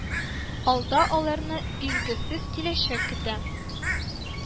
Алда аларны билгесез киләчәк көтә